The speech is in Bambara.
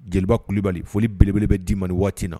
Jeliba Kulubali foli belebele bɛ d'i ma nin waati in na